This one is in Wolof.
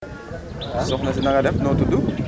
soxna si na nga def noo tudd